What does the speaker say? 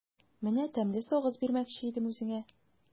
Менә тәмле сагыз бирмәкче идем үзеңә.